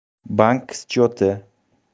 bank schyoti